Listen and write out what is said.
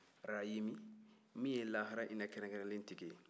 arahimi min ye lahara hinɛ kɛrɛnkɛrɛnnen tigi ye